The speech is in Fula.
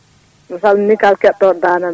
li salmini kala keɗotoɗo dandamde